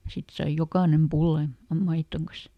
sitten sai jokainen pullan ja maidon kanssa